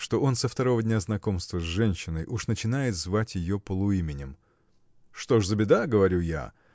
что он со второго дня знакомства с женщиной уж начинает звать ее полуименем. Что ж за беда? – говорю я.